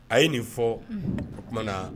A ye nin fɔ o tumaumana na